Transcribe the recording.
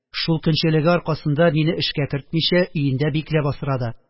Шул көнчелеге аркасында мине эшкә кертмичә, өендә бикләп асрады.